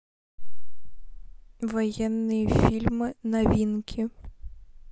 военные фильмы новинки